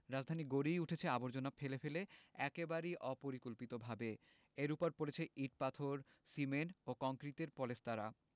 রাজধানী গড়েই উঠেছে আবর্জনা ফেলে ফেলে একেবারেই অপরিকল্পিতভাবে এর ওপর পড়েছে ইট পাথর সিমেন্ট ও কংক্রিটের পলেস্তারা